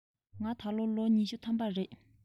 ང ད ལོ ལོ ཉི ཤུ ཐམ པ རེད